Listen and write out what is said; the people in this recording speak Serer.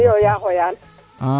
miyo yaa xooyaan